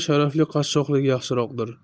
sharafli qashshoqlik yaxshiroqdir